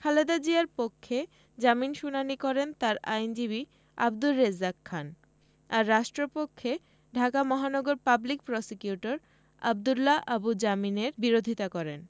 খালেদা জিয়ার পক্ষে জামিন শুনানি করেন তার আইনজীবী আব্দুর রেজ্জাক খান আর রাষ্ট্রপক্ষে ঢাকা মহানগর পাবলিক প্রসিকিউটর আব্দুল্লাহ আবু জামিনের বিরোধিতা করেন